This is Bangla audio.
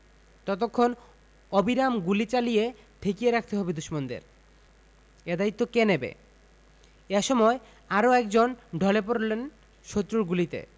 ততক্ষণ অবিরাম গুলি চালিয়ে ঠেকিয়ে রাখতে হবে দুশমনদের এ দায়িত্ব কে নেবে এ সময় আরও একজন ঢলে পড়লেন শত্রুর গুলিতে